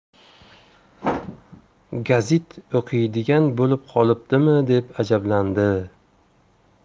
gazit o'qiydigan bo'lib qolibdimi deb ajablandi